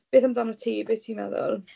Beth amdano ti, be ti'n meddwl?